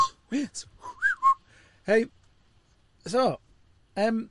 Hei, so, yym,